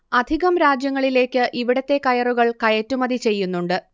അധികം രാജ്യങ്ങളിലേക്ക് ഇവിടത്തെ കയറുകൾ കയറ്റുമതി ചെയ്യുന്നുണ്ട്